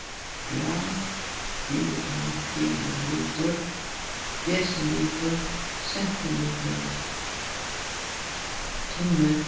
gramm kilogramm kilo litur desilitur sentilitur tummi